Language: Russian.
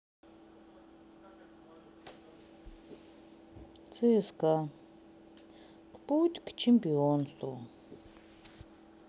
цска путь к чемпионству